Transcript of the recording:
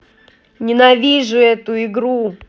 ненавижу эту игру